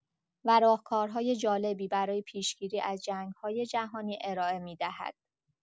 و راهکارهای جالبی برای پیش‌گیری از جنگ‌های جهانی ارائه می‌دهد.